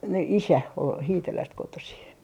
-- isä oli Hiitelästä kotoisin